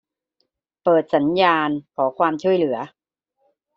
เปิดสัญญาณขอความช่วยเหลือ